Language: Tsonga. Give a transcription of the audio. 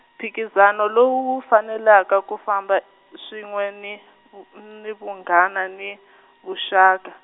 phikizano lowu wu fanelaka ku famba swin'we ni v-, ni vunghana ni, vuxaka.